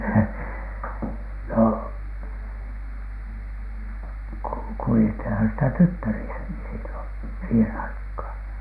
no - kuljettiinhan sitä tyttärissäkin silloin siihen aikaan